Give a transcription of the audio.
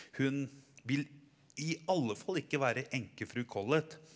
hun vil i alle fall ikke være enkefru Collett.